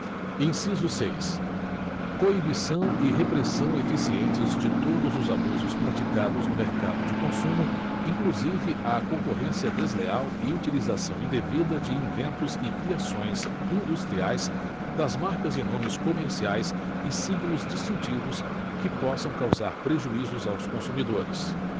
inciso seis coibição e repressão eficientes de todos os abusos praticados no mercado de consumo inclusive a concorrência desleal e utilização indevida de inventos e criações industriais das marcas e nomes comerciais e signos distintivos que possam causar prejuízos aos consumidores